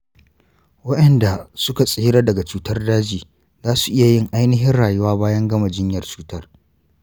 waenda suka tsira daga cutar daji zasu iya yin ainihin rayuwa bayan gama jinyar cutar.